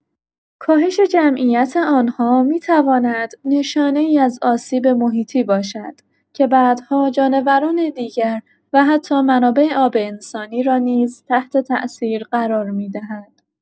کاهش جمعیت آن‌ها می‌تواند نشانه‌ای از آسیب محیطی باشد که بعدها جانوران دیگر و حتی منابع آب انسانی را نیز تحت‌تأثیر قرار می‌دهد.